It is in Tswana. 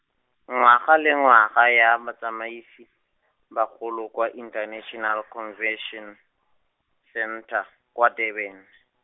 ngwaga le ngwaga ya batsamaisi, bagolo kwa International Convention, Centre, kwa Durban.